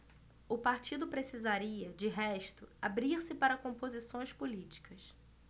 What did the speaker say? o partido precisaria de resto abrir-se para composições políticas